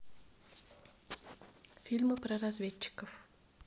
фильмы про разведчиков